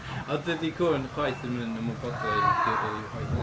Ond dydy cŵn chwaith, ddim yn ymwybodol o'u gi- o'u hunain